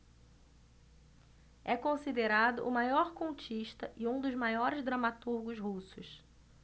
é considerado o maior contista e um dos maiores dramaturgos russos